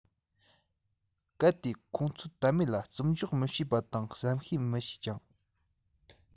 གལ ཏེ ཁོང ཚོའི དད མོས ལ བརྩི འཇོག མི བྱེད པ དང བསམ ཤེས མི བྱེད ཅིང